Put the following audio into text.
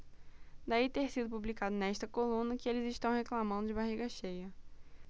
daí ter sido publicado nesta coluna que eles reclamando de barriga cheia